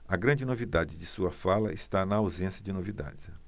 a grande novidade de sua fala está na ausência de novidades